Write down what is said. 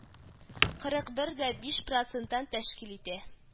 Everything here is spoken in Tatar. Кырык бер дә биш процентын тәшкил итә